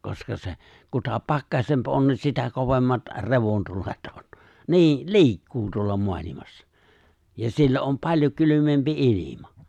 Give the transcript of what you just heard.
koska se kuta pakkasempi on niin sitä kovemmat revontulet on niin liikkuu tuolla maailmassa ja siellä on paljon kylmempi ilma